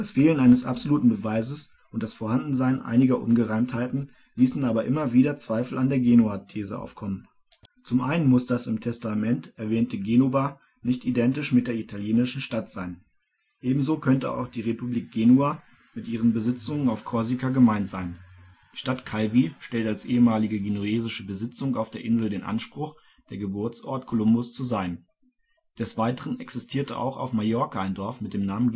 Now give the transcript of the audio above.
Fehlen eines absoluten Beweises und das Vorhandensein einiger Ungereimtheiten ließen aber immer wieder Zweifel an der Genua-These aufkommen. Zum einen muss das im Testament erwähnte Génoba nicht identisch mit der italienischen Stadt sein, ebenso könnte auch die Republik Genua mit ihren Besitzungen auf Korsika gemeint sein. Die Stadt Calvi stellt als ehemalige genuesische Besitzung auf der Insel den Anspruch, der Geburtsort Kolumbus zu sein. Des Weiteren existierte auch auf Mallorca ein Dorf mit dem Namen